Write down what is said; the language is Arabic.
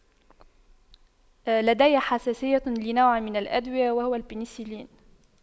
لدي حساسية لنوع من الأدوية وهو البنسلين